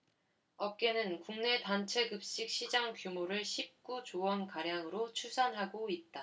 업계는 국내 단체급식 시장 규모를 십 구 조원가량으로 추산하고 있다